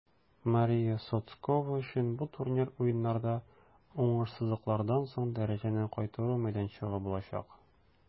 Мария Сотскова өчен бу турнир Уеннарда уңышсызлыклардан соң дәрәҗәне кайтару мәйданчыгы булачак.